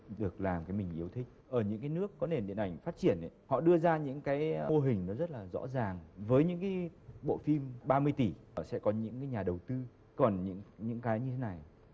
được làm cái mình yêu thích ở những cái nước có nền điện ảnh phát triển ý họ đưa ra những cái mô hình nó rất là rõ ràng với những kí bộ phim ba mươi tỷ họ sẽ có những cái nhà đầu tư còn những những cái như thế này